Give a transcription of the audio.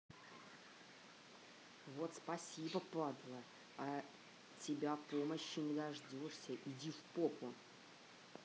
вот спасибо падла а тебя помощи не дождешься иди в попу